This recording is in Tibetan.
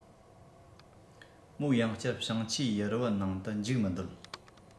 མོ ཡང བསྐྱར བཤངས ཆུའི ཡུར བུ ནང དུ འཇུག མི འདོད